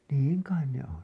niin kai ne on